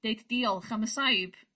deud diolch am y saib